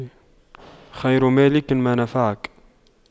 خير مالك ما نفعك